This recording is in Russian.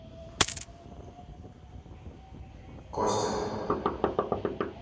костя